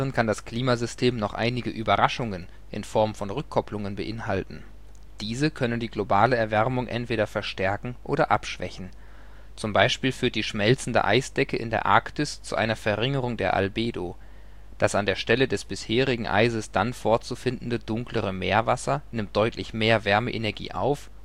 kann das Klimasystem noch einige „ Überraschungen “in Form von Rückkopplungen beinhalten. Diese können die globale Erwärmung entweder verstärken oder abschwächen. Zum Beispiel führt die schmelzende Eisdecke in der Arktis zu einer Verringung der Albedo. Das an der Stelle des bisherigen Eises dann vorzufindende dunklere Meerwasser nimmt deutlich mehr Wärmeenergie auf